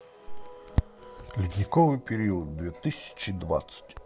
ледниковый период две тысячи двадцать